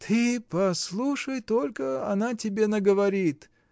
— Ты послушай только: она тебе наговорит!